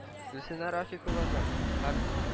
Гөлсинә Рафикованың һәм